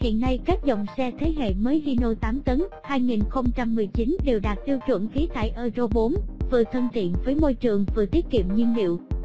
hiện nay các dòng xe thế hệ mới hino tấn đều đạt tiêu chuẩn khí thải euro vừa thân thiện với môi trường vừa tiết kiệm nhiên liệu